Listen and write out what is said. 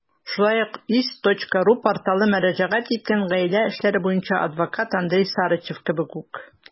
Шулай ук iz.ru порталы мөрәҗәгать иткән гаилә эшләре буенча адвокат Андрей Сарычев кебек үк.